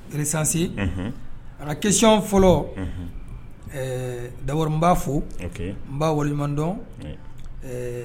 Recenser . Unhun! A ka question fɔlɔ,. Unhun! Ɛɛ d'abord n b'a fɔ,. Ok . N b'a waleɲuman don. Un! Ɛɛ